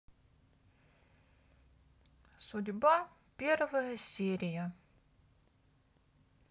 судьба первая серия